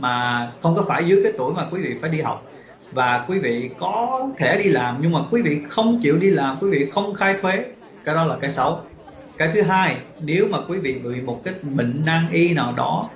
mà không có phải dưới cái tuổi mà quý vị phải đi học và quý vị có thể đi làm nhưng mà quý vị không chịu đi làm quý vị không khai thuế cái đó là cái xấu cái thứ hai nếu mà quý vị bị một cái bệnh nan y nào đó